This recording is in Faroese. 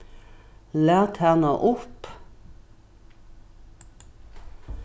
lat hana upp